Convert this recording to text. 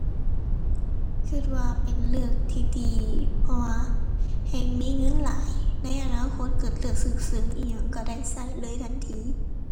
คิดว่าเป็นเรื่องที่ดี เพราะว่าแฮ่งมีเงินหลายในอนาคตเกิดเรื่องฉุกเฉินอิหยังคิดได้คิดเลยทันที